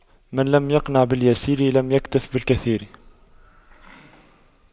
من لم يقنع باليسير لم يكتف بالكثير